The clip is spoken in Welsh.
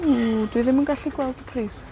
Ww. Dwi ddim yn gallu gweld y pris.